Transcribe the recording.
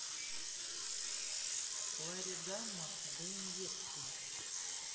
ларигамма для инъекций